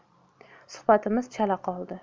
suhbatimiz chala qoldi